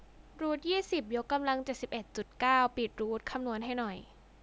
รูทยี่สิบยกกำลังเจ็ดสิบเอ็ดจุดเก้าปิดรูทคำนวณให้หน่อย